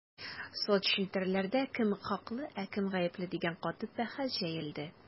Соцчелтәрләрдә кем хаклы, ә кем гапле дигән каты бәхәс җәелде.